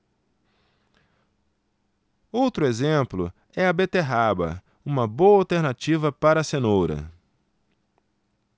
outro exemplo é a beterraba uma boa alternativa para a cenoura